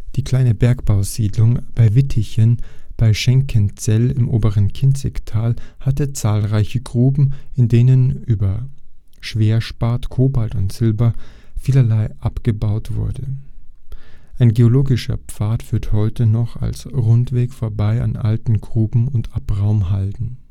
Die kleine Bergbausiedlung Wittichen bei Schenkenzell im oberen Kinzigtal hatte zahlreiche Gruben, in denen über Schwerspat, Kobalt und Silber vielerlei abgebaut wurde. Ein geologischer Pfad führt heute noch als Rundweg vorbei an alten Gruben und Abraumhalden